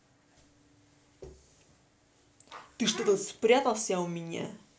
ты что тут спрятался у меня